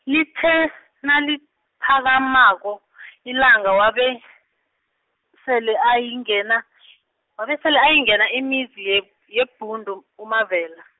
lithe, naliphakamako , ilanga wabe , sele ayingena , wabesele ayingena imizi ye- yeBhundu uMavela.